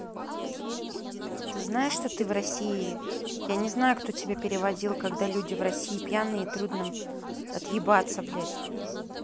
ты знаешь что ты в россии я не знаю кто тебя переводил когда люди в россии пьяные и трудно отъебаться блядь